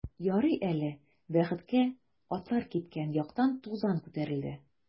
Ярый әле, бәхеткә, атлар киткән яктан тузан күтәрелде.